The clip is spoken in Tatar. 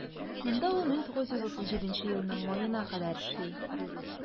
Монда ул 1937 елның маена кадәр эшли.